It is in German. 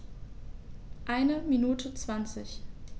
Eine Minute 20